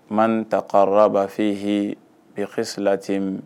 Mana nin ta kayɔrɔ b'a fɔ ye bɛfesilati min